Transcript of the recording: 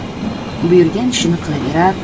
buyurgan ishini qilaverar